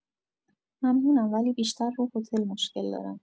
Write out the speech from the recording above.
ممنونم ولی بیشتر رو هتل مشکل دارم